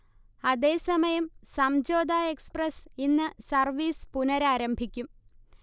അതേസമയം സംഝോത എക്സ്പ്രസ്സ് ഇന്ന് സർവീസ് പുനരാരംഭിക്കും